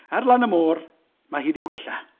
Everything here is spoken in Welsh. Ar lan y môr, mae hi 'di gwella.